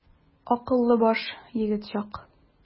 Акыллы баш, егет чак.